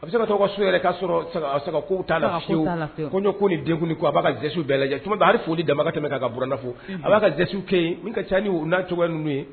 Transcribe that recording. A bɛ se ka tɔgɔ ka so yɛrɛ'a sɔrɔ taa ko ko ni denkun b'a ka bɛɛ lajɛ cogo foli damaba kɛmɛ kauranfo a b'a ka kɛ yen ka caani n'a cogoya ninnu ye